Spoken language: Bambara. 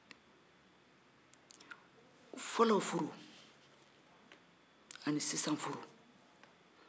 fɔlɔ furu ani sisan furu